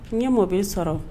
N ye mɔbili sɔrɔ